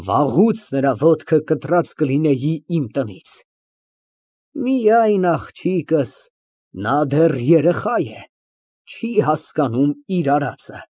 Միայն աղջիկս, նա դեռ երեխա է, չի հասկանում իր արածը։